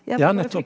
ja nettopp.